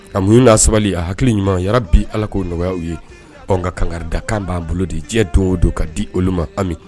A mun'a sabali a hakiliki ɲumanra bi ala koo nɔgɔyaw ye ɔ ka kan da kan b'an bolo de diɲɛ dɔw don ka di olu ma anmi